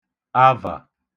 avà